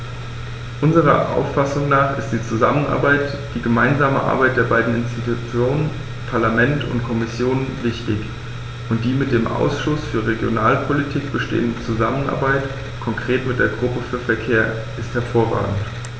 Unserer Auffassung nach ist die Zusammenarbeit, die gemeinsame Arbeit der beiden Institutionen - Parlament und Kommission - wichtig, und die mit dem Ausschuss für Regionalpolitik bestehende Zusammenarbeit, konkret mit der Gruppe für Verkehr, ist hervorragend.